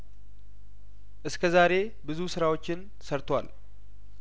እስከዛሬ ብዙ ስራዎችን ሰርቷል